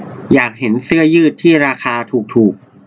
อยากเห็นเสื้อยืดที่ราคาถูกถูก